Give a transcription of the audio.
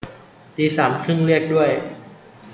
ตีสามครึ่งเรียกด้วย